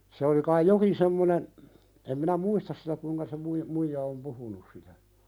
se oli kai jokin semmoinen en minä muista sitä kuinka se - muija on puhunut sitä